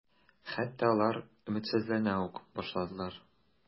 Хәтта алар өметсезләнә үк башладылар.